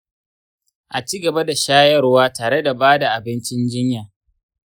a ci gaba da shayarwa tare da ba da abincin jinya.